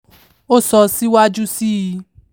Ó sọ síwájú sí i: